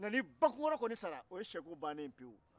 mɛ ni bakunkɔrɔ sara o ye sɛko bannen ye pewu